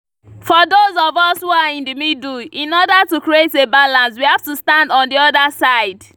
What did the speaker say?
For those of us who are in the middle, in order to create a balance, we have to stand on the other side.